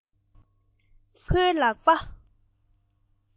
སེན མོ ཅན གྱི ཁོའི ལག པ